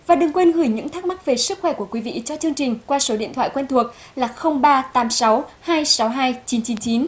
và đừng quên gửi những thắc mắc về sức khỏe của quý vị cho chương trình qua số điện thoại quen thuộc là không ba tám sáu hai sáu hai chín chín chín